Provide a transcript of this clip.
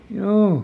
juu